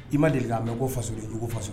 I ma deli k' mɛn ko dugu faso